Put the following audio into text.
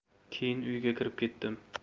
keyin uyga kirib kedim